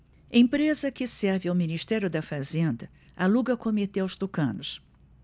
empresa que serve ao ministério da fazenda aluga comitê aos tucanos